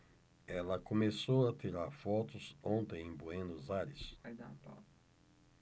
ela começou a tirar fotos ontem em buenos aires